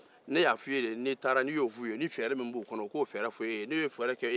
ne y'a fɔ e ye n'i taara i k'o fɔ u ye ni fɛɛrɛ ye min kɛra u bolo u k'o fɔ e ye